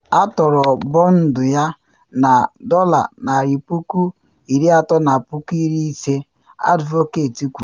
Atọrọ bọndụ ya na $350,000, Advocate kwuru.